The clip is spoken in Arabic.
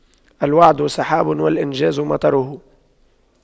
الوعد سحاب والإنجاز مطره